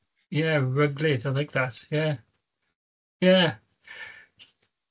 Ie, ryglyd. I like that, ie. Ie.